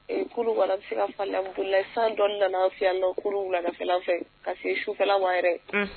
Ee kunun kɔni an bɛ sen ka fɔ alhamudulahi san dɔɔni nana anw fɛ yannɔ kunun wuladafɛla fɛ ka see sufɛ la ma yɛrɛ unhun